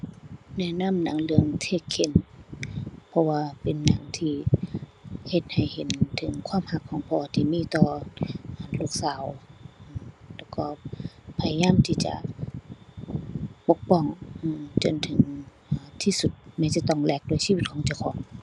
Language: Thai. แนะนำหนังเรื่อง Taken เพราะว่าเป็นหนังที่เฮ็ดให้เห็นถึงความรักของพ่อที่มีต่อ อ่า ลูกสาว อือ แล้วก็พยายามที่จะปกป้อง อือ จนถึง อ่า ที่สุด แม้จะต้องแลกด้วยชีวิตของเจ้าของ